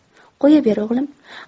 qo'yaver o'g'lim